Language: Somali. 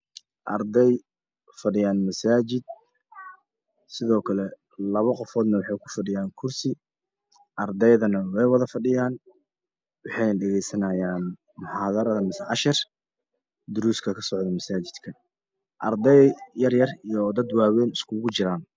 Ardey fadhiyaan masaajin sidookle labo qofoodne waxey kufadhiyaan kursi ardeydane wey wada fadhiyaan waxeyna dhageysanayaan muxaarado ama duroos kasocdo mshaajidka ardey yaryar iyo waa weyn isku go jiraan